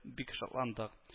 Бик шатландык